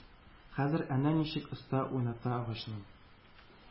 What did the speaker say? Хәзер әнә ничек оста уйната агачны,